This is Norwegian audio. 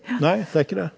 nei det er ikke det.